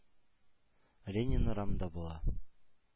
Ленин урамында була.